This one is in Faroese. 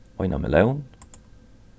eina melón